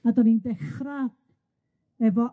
A 'dan ni'n dechra efo...